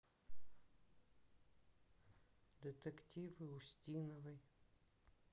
детективы устиновой